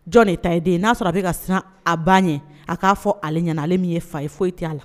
Jɔn de ta ye den n'a sɔrɔ a bɛ ka siran a ba ɲɛ a k'a fɔ ale ɲɛna ale min ye fa ye foyi tɛ a la